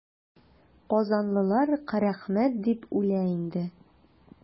Казанлылар Карәхмәт дип үлә инде.